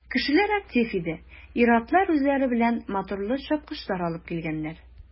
Кешеләр актив иде, ир-атлар үзләре белән моторлы чапкычлар алыпн килгәннәр.